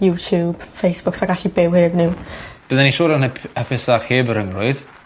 YouTube Facebook sai gallu byw heb n'w . Byddai'n siŵr yn ap- hapusach heb y ryngrwyd.